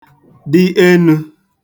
dị enū